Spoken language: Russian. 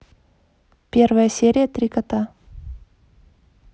первая серия три кота